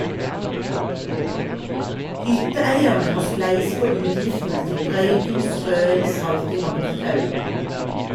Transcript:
Hytteeierne må spleise på utgiftene til brøyting, strøing, salting og borttauing.